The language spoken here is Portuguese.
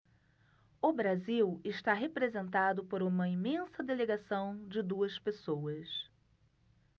o brasil está representado por uma imensa delegação de duas pessoas